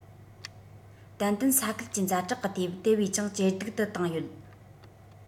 ཏན ཏན ས ཁུལ གྱི ཛ དྲག གི དུས བབ དེ བས ཀྱང ཇེ སྡུག ཏུ བཏང ཡོད